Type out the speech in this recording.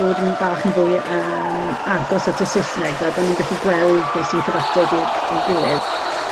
fod yn bach yn fwy yym agos at y Sysneg fel bo' nw'n gellu gweld be' sy'n cyfateb i'r i'w gilydd.